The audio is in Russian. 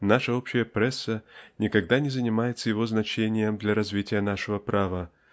Наша общая пресса никогда не занимается его значением для развития нашего права